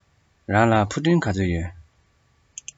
རང ལ ཕུ འདྲེན ག ཚོད ཡོད